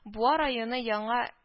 Буа районы Яңа